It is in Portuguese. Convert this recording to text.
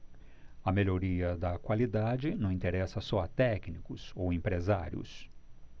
a melhoria da qualidade não interessa só a técnicos ou empresários